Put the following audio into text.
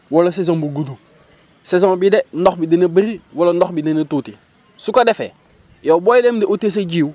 wala saison bu gudd saison bi de ndox bi dina bëri wala ndox bi dina tuuti su ko defee yowx booy dem di uti sa jiw